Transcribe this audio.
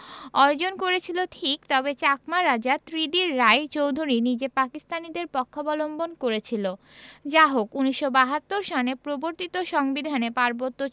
অর্জন করেছিল ঠিক তবে চাকমা রাজা ত্রিদির রায় চৌধুরী নিজে পাকিস্তানীদের পক্ষাবলম্বন করেছিল যাহোক ১৯৭২ সনে প্রবর্তিত সংবিধানে পার্বত্য